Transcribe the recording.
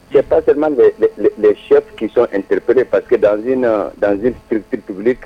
Cɛpr bɛ sɛ kisɔnrepere pake danz na danzurptbu